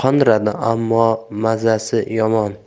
qondiradi ammo mazasi yoqmaydi